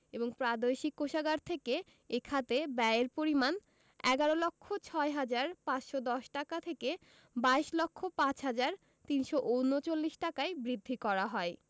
এবং প্রাদেশিক কোষাগার থেকে এ খাতে ব্যয়ের পরিমাণ ১১ লক্ষ ৬ হাজার ৫১০ টাকা থেকে ২২ লক্ষ ৫ হাজার ৩৩৯ টাকায় বৃদ্ধি করা হয়